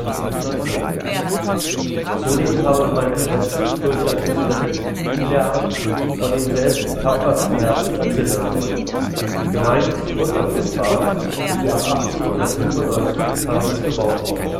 1905. Zudem habe man „ ein letztes, fürchterliches Mittel in der Hand, vor dem selbst die tapfersten Herzen erzittern sollen “: Gemeint ist die Untergrundbahn, die ab 1897 in Paris gebaut wurde